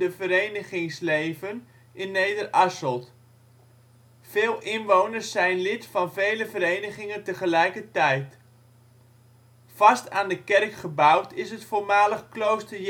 verenigingsleven in Nederasselt, veel inwoners zijn lid van vele verenigingen tegelijkertijd. Vast aan de kerk gebouwd is het voormalig klooster